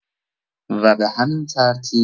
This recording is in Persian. و به همین ترتیب